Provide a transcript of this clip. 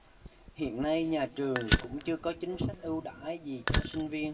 hiện nay nhà trường cũng chưa có chính sách ưu đãi gì cho sinh viên